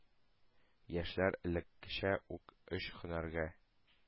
Яшьләр элеккечә үк өч һөнәргә